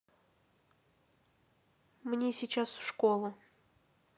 мне сейчас в школу